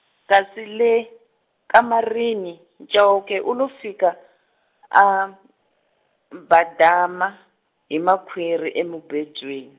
kasi le, kamarini, Chauke u lo fika, a, badama, hi ma khwiri emubedweni.